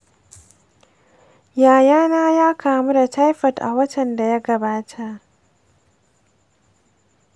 yayana ya kamu da taifoid a watan da ya gabata.